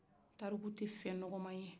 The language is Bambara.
tariku tɛ fɛn nɔgɔ man ye